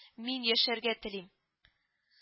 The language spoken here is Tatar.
— мин яшәргә телим